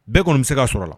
Bɛɛ kɔni bɛ se ka sɔrɔ la